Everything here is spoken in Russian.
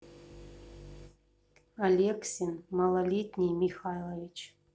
алексин малолетние михайлович